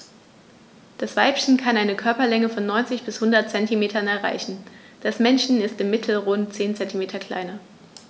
Das Weibchen kann eine Körperlänge von 90-100 cm erreichen; das Männchen ist im Mittel rund 10 cm kleiner.